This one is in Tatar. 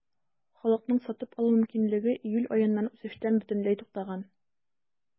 Халыкның сатып алу мөмкинлеге июль аеннан үсештән бөтенләй туктаган.